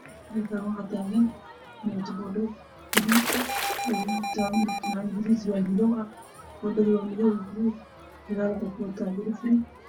Halkaan waxaa taagan mooto labo lugoodley ah waxaa saaran nin wato fanaanad gaduud iyo surwaal madow ah, mootada waa madow iyo gaduud waxaa gadaal kasaaran dilifiri.